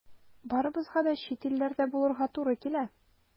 Барыбызга да чит илләрдә булырга туры килә.